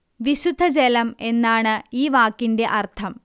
വിശുദ്ധ ജലം എന്നാണ് ഈ വാക്കിന്റെ അർത്ഥം